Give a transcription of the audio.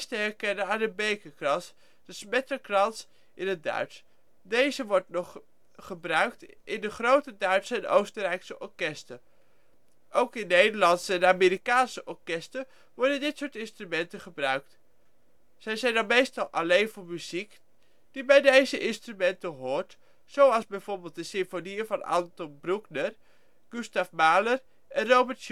herkennen aan de bekerkrans (Schmetterkranz in het Duits). Deze wordt nog gebruikt in de grote Duitse en Oostenrijkse orkesten. Ook in Nederlandse en Amerikaanse orkesten worden dit soort instrumenten gebruikt, zij het meestal alleen voor muziek die bij deze instrumenten hoort, zoals bijvoorbeeld de symfonieën van Anton Bruckner, Gustav Mahler en Robert Schumann